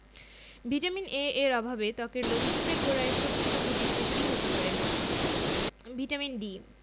vitamin A এর অভাবে ত্বকের লোমকূপের গোড়ায় ছোট ছোট গুটির সৃষ্টি হতে পারে ভিটামিন D